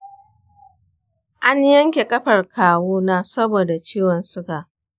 an yanke ƙafar kawu na saboda ciwon suga.